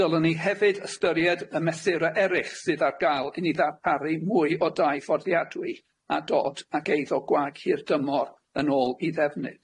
Dylwn ni hefyd ystyried y mesura eryll sydd ar ga'l i ni ddarparu mwy o dai fforddiadwy a dod ag eiddo gwag hir dymor yn ôl i ddefnydd.